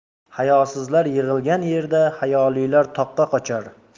hayosizlar yig'ilgan yerda hayolilar toqqa qochar